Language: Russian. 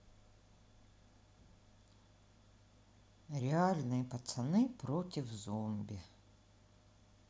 реальные пацаны против зомби